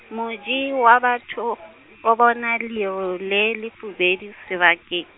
Moji wa batho, a bona leru le lefubedu sebake-.